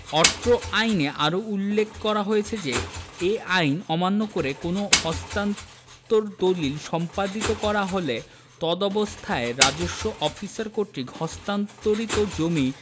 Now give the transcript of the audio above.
অত্র আইনে আরো উল্লেখ করা হয়েছে যে এ আইন অমান্য করে কোনও হস্তান্তর দলিল সম্পাদিত করা হলে তদবস্থায় রাজস্ব অফিসার কর্তৃক হস্তান্তরিত জমি